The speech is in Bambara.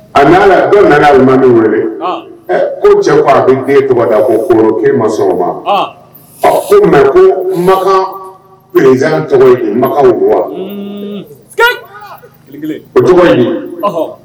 A nana yan, dɔ nana alimaami weele , ɔn, ko cɛ ko k'a bɛ n den tɔgɔ da ko koloko k'e ma sɔn o ma,,ɔnhɔn, ko mais ko Makan président tɔgɔ ye di Mackrɔn don wa? Unn, o tɔgɔ ye di?